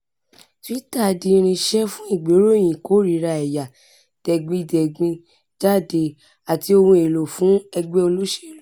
Twitter di irinṣẹ́ fún ìgbéròyìn ìkórìíra ẹ̀yà tẹ̀gbintẹ̀gbin jáde àti ohun èlò fún ẹgbẹ́ olóṣèlú.